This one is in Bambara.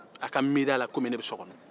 a ka miir'a la kɔmi ne bɛ so kɔnɔ